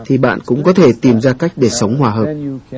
thì bạn cũng có thể tìm ra cách để sống hòa hợp